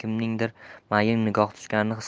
kimningdir mayin nigohi tushganini his qildi